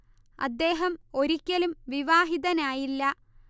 അദ്ദേഹം ഒരിക്കലും വിവാഹിതനായില്ല